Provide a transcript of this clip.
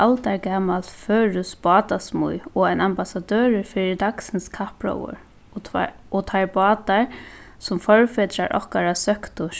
aldargamalt føroyskt bátasmíð og ein ambassadørur fyri dagsins kappróður og tveir og teir bátar sum forfedrar okkara søktu